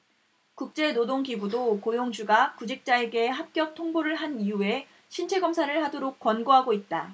국제노동기구도 고용주가 구직자에게 합격 통보를 한 이후에 신체검사를 하도록 권고하고 있다